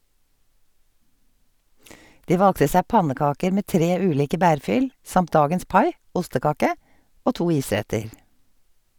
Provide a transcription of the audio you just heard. De valgte seg pannekaker med tre ulike bærfyll, samt dagens pai (ostekake) og to isretter.